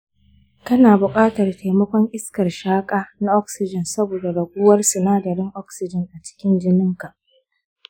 kana buƙatar taimakon iskar shaka na oxygen saboda raguwar sinadarin oxygen a cikin jininka.